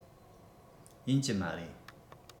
ཡིན གྱི མ རེད